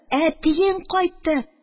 Әтиең кайтты